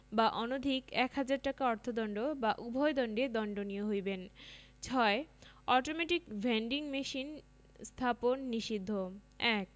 বা অনধিক এক হাজার টাকা অর্থদন্ড বা উভয় দন্ডে দন্ডনীয় হইবেন ৬ অটোমেটিক ভেন্ডিং মেশিন স্থাপন নিষিদ্ধ ১